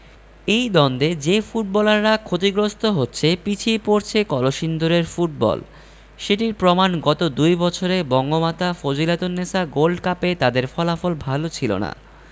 এই দ্বন্দ্বে যে ফুটবলাররা ক্ষতিগ্রস্ত হচ্ছে পিছিয়ে পড়ছে কলসিন্দুরের ফুটবল সেটির প্রমাণ গত দুই বছরে বঙ্গমাতা ফজিলাতুন্নেছা গোল্ড কাপে তাদের ফলাফল ভালো ছিল না